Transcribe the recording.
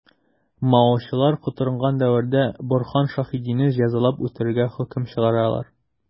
Маочылар котырынган дәвердә Борһан Шәһидине җәзалап үтерергә хөкем чыгаралар.